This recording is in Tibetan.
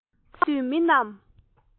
ཁ བ འབབ དུས མི རྣམས